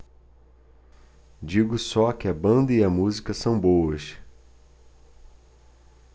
digo só que a banda e a música são boas